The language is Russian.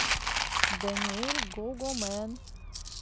daniel go go man